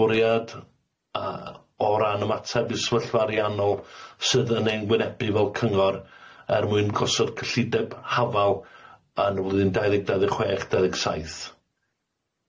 bwriad yy o ran ymateb i'r sefyllfa ariannol sydd yn engwynebu fel cyngor er mwyn gosod cyllideb hafal yn y flwyddyn dau ddeg dau ddeg chwech dau ddeg saith.